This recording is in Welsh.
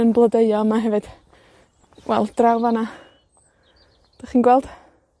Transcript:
yn blodeuo yma hefyd, wel, draw fan 'na, 'dych chi'n gweld?